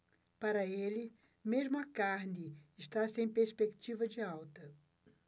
para ele mesmo a carne está sem perspectiva de alta